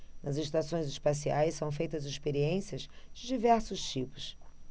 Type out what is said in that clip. nas estações espaciais são feitas experiências de diversos tipos